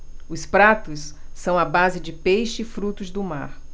os pratos são à base de peixe e frutos do mar